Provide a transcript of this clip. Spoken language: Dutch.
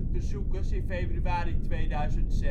bezoekers in februari 2006